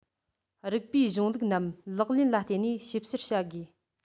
རིགས པའི གཞུང ལུགས རྣམས ལག ལེན ལ བརྟེན ནས ཞིབ བཤེར བྱ དགོས